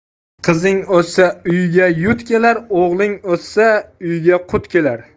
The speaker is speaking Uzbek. qizing o'ssa uyga yut kelar o'g'ling o'ssa uyga qut kelar